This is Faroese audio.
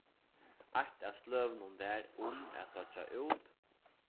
eitt av sløgunum var um at doyggja út